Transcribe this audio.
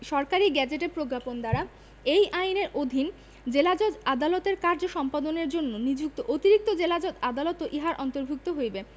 সরকারী গেজেটে প্রজ্ঞাপন দ্বারা এই আইনের অধীন জেলাজজ আদালতের কার্য সম্পাদনের জন্য নিযুক্ত অতিরিক্ত জেলাজজ আদালতও ইহার অন্তর্ভুক্ত হইবে